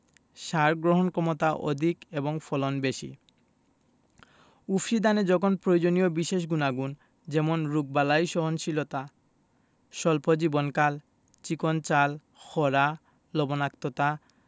সার গ্রহণক্ষমতা অধিক এবং ফলন বেশি উফশী ধানে যখন প্রয়োজনীয় বিশেষ গুনাগুণ যেমন রোগবালাই সহনশীলতা স্বল্প জীবনকাল চিকন চাল খরা লবনাক্ততা